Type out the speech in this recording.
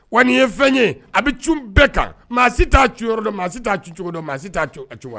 Wa nin ye fɛn ye a bɛ cun bɛɛ kan maa si t' c dɔn mɔgɔ si t c cogo dɔn mɔgɔ t